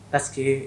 parceque